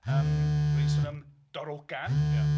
Yym dwi'n sôn am darogan...